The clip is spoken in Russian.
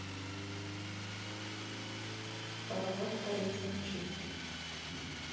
паровоз по рельсам мчится